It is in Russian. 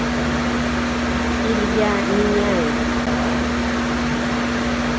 илья миняев